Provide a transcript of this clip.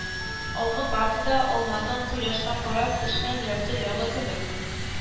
Алгы партада алманың кояшка карап пешкән ярты ягы кебек